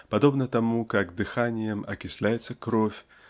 подобно тому как дыханием окисляется кровь